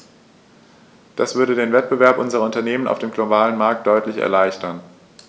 Das würde den Wettbewerb unserer Unternehmen auf dem globalen Markt deutlich erleichtern.